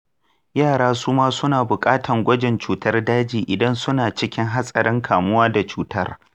yara suma suna bukatan kwajin cutar daji idan suna cikin hatsarin kamuwa da cutar.